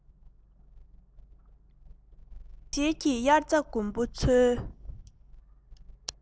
རྒྱང ཤེལ གྱིས དབྱར རྩྭ དགུན འབུ འཚོལ